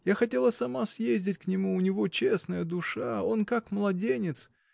Я хотела сама съездить к нему — у него честная душа, он — как младенец!